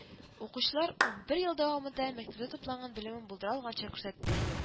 Укучылар унбер ел дәвамында мәктәптә туплаган белемен булдыра алганча күрсәтте